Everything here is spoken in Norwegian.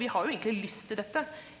vi har jo egentlig lyst til dette.